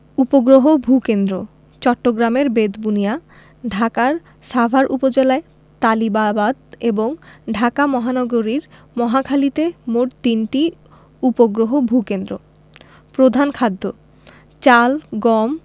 উপগ্রহ ভূ কেন্দ্রঃ চট্টগ্রামের বেতবুনিয়া ঢাকার সাভার উপজেলায় তালিবাবাদ এবং ঢাকা মহানগরীর মহাখালীতে মোট তিনটি উপগ্রহ ভূ কেন্দ্র প্রধান খাদ্যঃ চাল গম